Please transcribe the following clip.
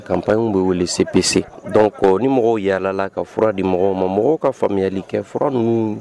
Kapw bɛ wele sepse dɔn ni mɔgɔw yaala ka fura di mɔgɔ ma mɔgɔ ka faamuyayali kɛ fura ninnu